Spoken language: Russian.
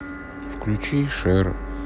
включи шер